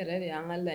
Y' ka la